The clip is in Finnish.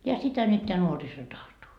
ja sitä nyt tämä nuoriso tahtoo